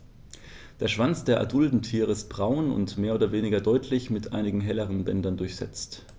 Der Schwanz der adulten Tiere ist braun und mehr oder weniger deutlich mit einigen helleren Bändern durchsetzt.